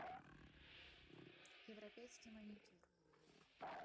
европейский маникюр